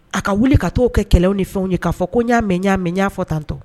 A ka wuli ka to kɛ kɛlɛ ni fɛnw ye . Ka fɔ ko ɲa mɛn ɲa mɛ n ɲa fɔ tantɔ.